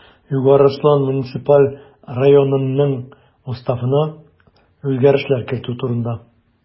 Югары Ослан муниципаль районынның Уставына үзгәрешләр кертү турында